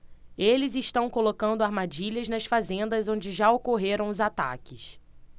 eles estão colocando armadilhas nas fazendas onde já ocorreram os ataques